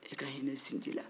i ka hinɛ i sinji la